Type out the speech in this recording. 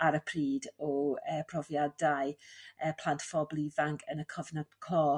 ar y pryd o e profiadau e plant phobl fanc yn y cyfnod clo